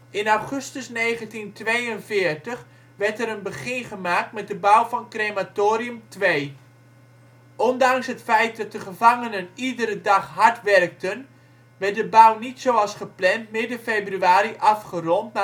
In augustus 1942 werd er een begin gemaakt met de bouw van Crematorium II. Ondanks het feit dat de gevangenen iedere dag hard werkten, werd de bouw niet zoals gepland midden februari afgerond